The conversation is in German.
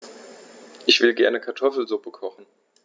Ich will gerne Kartoffelsuppe kochen.